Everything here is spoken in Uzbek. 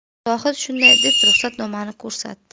zohid shunday deb ruxsatnomani ko'rsatdi